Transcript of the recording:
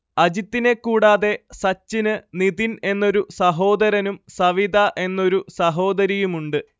അജിത്തിനെ കൂടാതെ സച്ചിന് നിതിൻ എന്നൊരു സഹോദരനും സവിത എന്നൊരു സഹോദരിയുമുണ്ട്